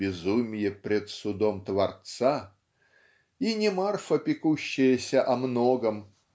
безумье пред судом Творца" и не Марфа пекущаяся о многом